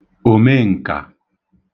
òmeǹkà